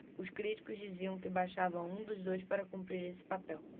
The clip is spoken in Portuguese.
os críticos diziam que bastava um dos dois para cumprir esse papel